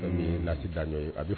Nasi da' ye